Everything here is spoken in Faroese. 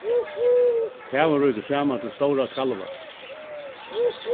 kavin rýkur saman til stórar skalvar